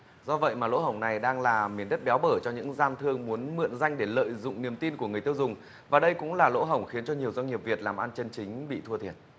do vậy mà lỗ hổng này đang là miền đất béo bở cho những gian thương muốn mượn danh để lợi dụng niềm tin của người tiêu dùng và đây cũng là lỗ hổng khiến cho nhiều doanh nghiệp việt làm ăn chân chính bị thua thiệt